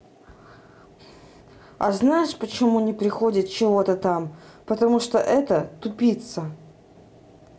а знаешь почему что не приходит чего то там потому что это тупица